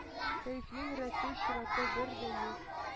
Кәефнең рәте-чираты бер дә юк.